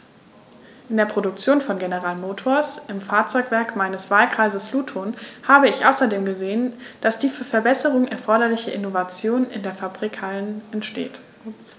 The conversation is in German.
In der Produktion von General Motors, im Fahrzeugwerk meines Wahlkreises Luton, habe ich außerdem gesehen, dass die für Verbesserungen erforderliche Innovation in den Fabrikhallen entsteht.